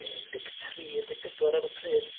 be? un deg tri un deg pedwar ar y pryd